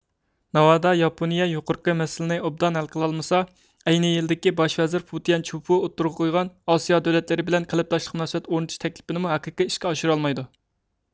ناۋادا ياپونىيە يۇقىرقى مەسىلىنى ئوبدان ھەل قىلالمىسا ئەينى يىلىدىكى باش ۋەزىر فۇتىيەن چيۇفۇ ئوتتۇرىغا قويغان ئاسىيا دۆلەتلىرى بىلەن قەلبىداشلىق مۇناسىۋەت ئورنىتىش تەكلىپىنىمۇ ھەقىقىي ئىشقا ئاشۇرالمايدۇ